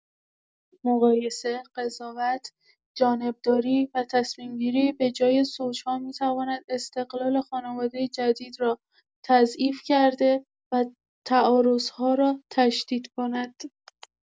مقایسه، قضاوت، جانبداری و تصمیم‌گیری به‌جای زوج‌ها می‌تواند استقلال خانواده جدید را تضعیف کرده و تعارض‌ها را تشدید کند.